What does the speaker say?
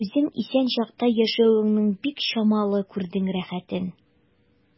Үзең исән чакта яшәвеңнең бик чамалы күрдең рәхәтен.